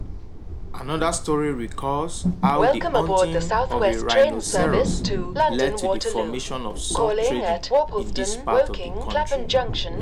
Another story recalls how the hunting of a rhinoceros led to the formation of salt trading in this part of the country.